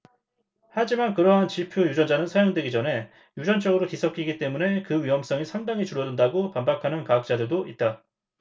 하지만 그러한 지표 유전자는 사용되기 전에 유전적으로 뒤섞이기 때문에 그 위험성이 상당히 줄어든다고 반박하는 과학자들도 있다